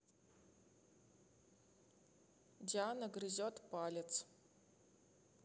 диана грызет палец